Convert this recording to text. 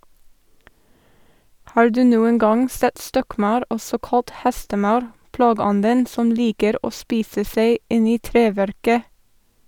Har du noen gang sett stokkmaur, også kalt hestemaur, plageånden som liker å spise seg inn i treverket?